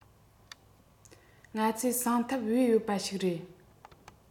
ང ཚོས གསང ཐབས སྦས ཡོད པ ཞིག རེད